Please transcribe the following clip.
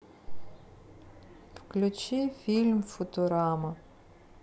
включи фильм футурама